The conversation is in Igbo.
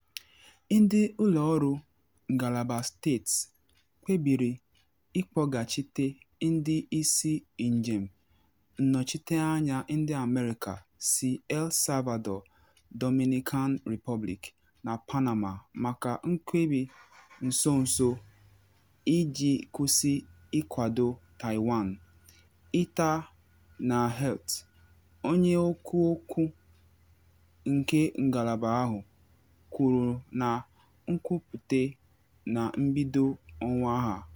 Ndị ụlọ ọrụ Ngalaba Steeti kpebiri ịkpọghachite ndị isi njem nnọchite anya ndị America si El Salvador, Dominican Republic na Panama maka “mkpebi nso nso iji kwụsị ịkwado Taiwan,” Heather Nauert, onye okwu okwu nke ngalaba ahụ, kwuru na nkwupute na mbido ọnwa a.